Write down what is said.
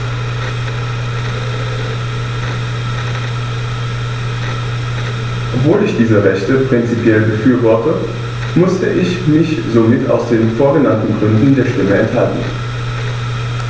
Obwohl ich diese Rechte prinzipiell befürworte, musste ich mich somit aus den vorgenannten Gründen der Stimme enthalten.